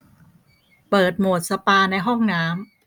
เปิดโหมดสปาในห้องน้ำ